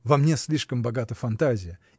Во мне слишком богата фантазия.